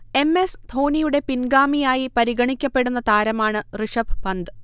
M. S. ധോണിയുടെ പിൻഗാമിയായി പരിഗണിക്കപ്പെടുന്ന താരമാണ് ഋഷഭ് പന്ത്